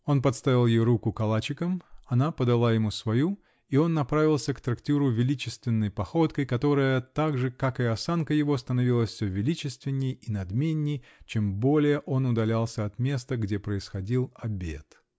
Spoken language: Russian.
он подставил ей руку калачиком, она подала ему свою -- и он направился к трактиру величественной походкой, которая, так же как и осанка его, становилась все величественней и надменней, чем более он удалялся от места, где происходил обед.